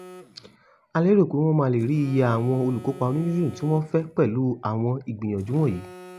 A lérò pé wọ́n máa lè rí iye àwọn olùkópa onínúdídùn tí wọ́n ń fẹ́ pẹ̀lú àwọn ìgbìyànjú wọ̀nyìí.